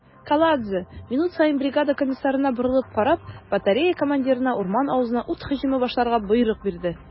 Каладзе, минут саен бригада комиссарына борылып карап, батарея командирына урман авызына ут һөҗүме башларга боерык бирде.